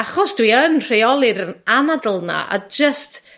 achos dwi yn rheoli'r anadl 'na. A jyst